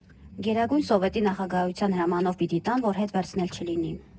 Գերագույն սովետի նախագահության հրամանով պիտի տան, որ հետ վերցնել չլինի»։